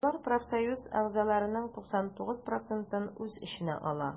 Алар профсоюз әгъзаларының 99 процентын үз эченә ала.